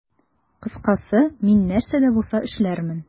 Кыскасы, мин нәрсә дә булса эшләрмен.